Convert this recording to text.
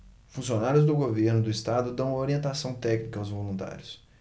funcionários do governo do estado dão orientação técnica aos voluntários